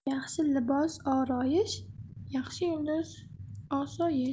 yaxshi libos oroyish yaxshi yo'ldosh osoyish